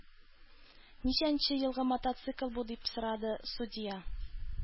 Ничәнче елгы мотоцикл бу? – дип сорады судья.